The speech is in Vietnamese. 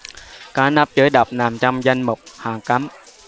cá nóc chứa độc nằm trong danh mục hàng cấm